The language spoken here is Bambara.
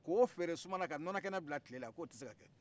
k'o feere suma na ka nɔnɔ kɛnɛ fila tile la k'o ti se ka kɛ